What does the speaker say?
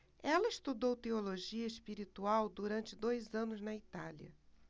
ela estudou teologia espiritual durante dois anos na itália